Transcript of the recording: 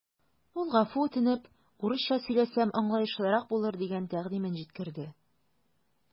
Ул гафу үтенеп, урысча сөйләсәм, аңлаешлырак булыр дигән тәкъдимен җиткерде.